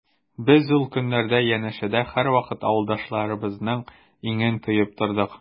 Без ул көннәрдә янәшәдә һәрвакыт авылдашларыбызның иңен тоеп тордык.